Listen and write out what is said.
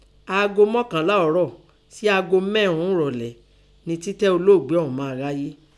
Ago mọ́kànlá ọ̀ọ́rọ̀ sín ago mẹ́ẹ̀rùn ún ẹ̀rọ̀lẹ́ nẹ tíntẹ́ olóògbé ọ̀ún máa háyé.